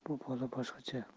bu bola boshqacha